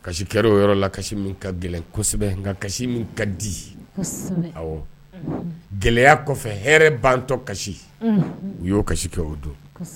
Kasi kɛ o yɔrɔ la kasi min ka gɛlɛn kosɛbɛ nka kasi min ka di gɛlɛyaya kɔfɛ hɛrɛ bantɔ kasi u y'o kasi kɛ o don